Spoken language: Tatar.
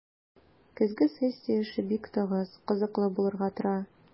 Көзге сессия эше бик тыгыз, кызыклы булырга тора.